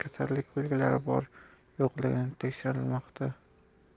kasallik belgilari bor yo'qligi tekshirilmoqda